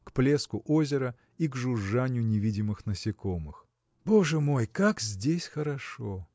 к плеску озера и к жужжанью невидимых насекомых. Боже мой! как здесь хорошо!